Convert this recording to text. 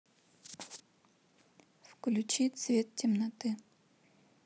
включи цвет темноты